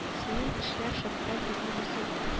Синең эшләр шәптән түгел ясәви